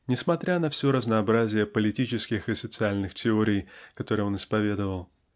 несмотря на все разнообразие политические и социальных теорий которые он исповедывал